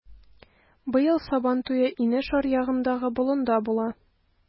Быел Сабантуе инеш аръягындагы болында була.